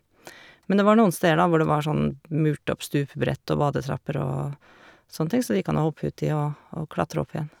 Men det var noen steder, da, hvor det var sånn murt opp stupebrett og badetrapper og sånne ting, så det gikk an å hoppe uti og og klatre opp igjen.